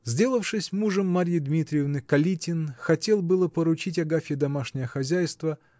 Сделавшись мужем Марьи Дмитриевны, Калитин хотел было поручить Агафье домашнее хозяйство